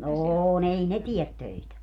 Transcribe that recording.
on ei ne tee töitä